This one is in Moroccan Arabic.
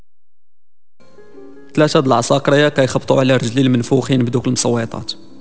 الاسد العسكريه تاريخ طويل الاجل منفوخين بدون سويطات